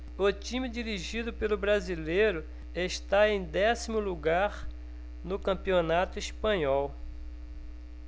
o time dirigido pelo brasileiro está em décimo lugar no campeonato espanhol